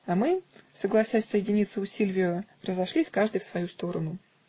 а мы, согласясь соединиться у Сильвио, разошлись каждый в свою сторону.